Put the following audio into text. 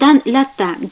undan latta